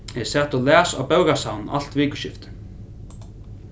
eg sat og las á bókasavninum alt vikuskiftið